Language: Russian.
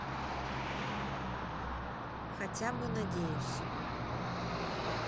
хотя бы надеюсь